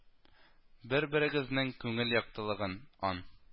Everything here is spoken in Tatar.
Берберегезнең күңел яктылыгын, ан